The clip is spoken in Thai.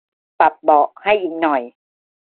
ปรับเบาะให้อีกหน่อย